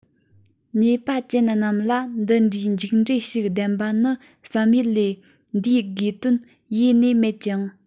ཉེས ཅན པ རྣམས ལ འདི འདྲའི མཇུག འབྲས ཤིག ལྡན པ ནི བསམ ཡུལ ལས འདས དགོས དོན ཡེ ནས མེད ཅིང